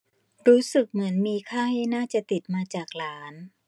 รู้สึกเหมือนมีไข้น่าจะติดมาจากหลาน